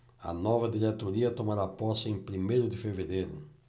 a nova diretoria tomará posse em primeiro de fevereiro